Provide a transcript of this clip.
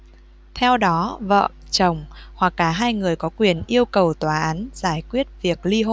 theo đó vợ chồng hoặc cả hai người có quyền yêu cầu tòa án giải quyết việc ly hôn